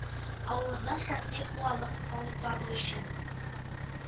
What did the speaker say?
Авылыннан шәхси хуалык алып бару өчен